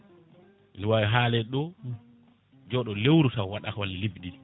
ne wawi haalede ɗo jooɗo lewru taw waɗaka walla lebbi ɗiɗi